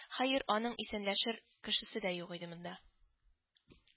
Хәер, аның исәнләшер кешесе дә юк иде монда